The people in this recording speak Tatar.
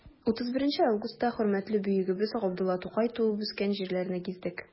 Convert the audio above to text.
31 августта хөрмәтле бөегебез габдулла тукай туып үскән җирләрне гиздек.